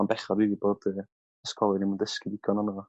ma'n bechod rili dydi ysgolion ddim yn dysgu mwy amdana fo